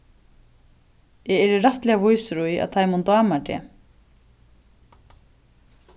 eg eri rættiliga vísur í at teimum dámar teg